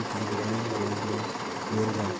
yuki ko'pligidan bo'ldi yo'rg'a